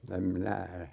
en minä